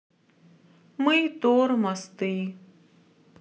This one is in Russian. мы тормозты